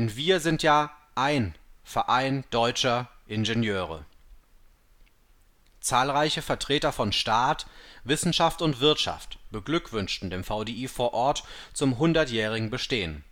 wir sind ja ein Verein Deutscher Ingenieure. “Zahlreiche Vertreter von Staat, Wissenschaft und Wirtschaft beglückwünschten dem VDI vor Ort zum hundertjährigen Bestehen